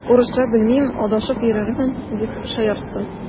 Урысча белмим, адашып йөрермен, дип шаяртты.